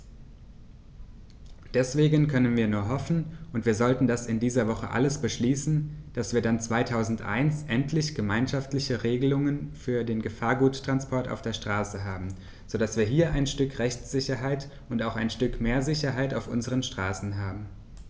Deswegen können wir nur hoffen - und wir sollten das in dieser Woche alles beschließen -, dass wir dann 2001 endlich gemeinschaftliche Regelungen für den Gefahrguttransport auf der Straße haben, so dass wir hier ein Stück Rechtssicherheit und auch ein Stück mehr Sicherheit auf unseren Straßen haben.